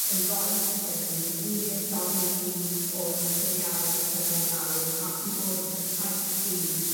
yn roi i Gymru wir dorri'n rydd o imperialaeth Prydain Fawr, ac i fod yn llais cry